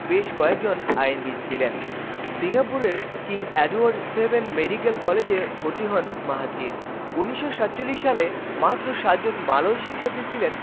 বেশ কয়েকজন আইনবিদ ছিলেন সিঙ্গাপুরের কিং এডওয়ার্ড 7 মেডিকেল কলেজে ভর্তি হন মাহাথির ১৯৪৭ সালে মাত্র সাতজন মালয় শিক্ষার্থী ছিলেন